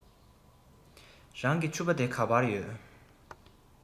རང གི ཕྱུ པ དེ ག པར ཡོད